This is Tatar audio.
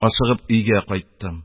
Ашыгып, өйгә кайттым.